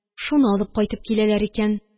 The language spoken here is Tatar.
Шуны алып кайтып киләләр икән